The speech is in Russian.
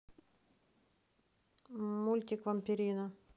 мультик вампирина